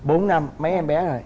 bốn năm mấy em bé rồi